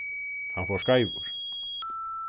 hann fór skeivur